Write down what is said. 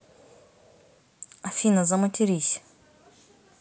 афина заматерись